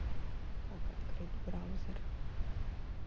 как открыть браузер